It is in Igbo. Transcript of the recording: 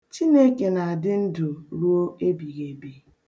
Chineke na-adị ndụ ruo ebighiebi.